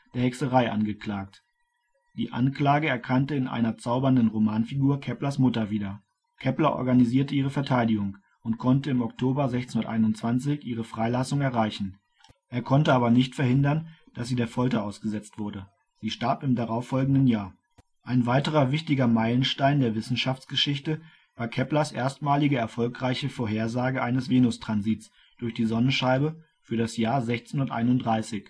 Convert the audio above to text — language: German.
Hexerei angeklagt. Die Anklage erkannte in einer zaubernden Romanfigur Keplers Mutter wieder. Kepler organisierte ihre Verteidigung, und konnte im Oktober 1621 ihre Freilassung erreichen. Er konnte aber nicht verhindern, dass sie der Folter ausgesetzt wurde; sie starb im darauffolgenden Jahr. Weltkarte in der Tabulae Rudolphinae Ein weiterer wichtiger Meilenstein der Wissenschaftsgeschichte war Keplers erstmalige erfolgreiche Vorhersage eines Venustransits durch die Sonnenscheibe für das Jahr 1631